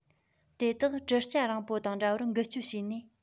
དེ དག གྲུ སྐྱ རིང པོ དང འདྲ བར འགུལ སྐྱོད བྱས ནས